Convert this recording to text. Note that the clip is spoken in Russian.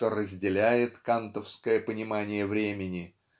что разделяет кантовское понимание времени